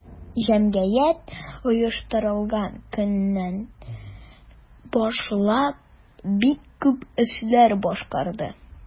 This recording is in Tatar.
Җәмгыять оештырылган көннән башлап бик күп эшләр башкарды.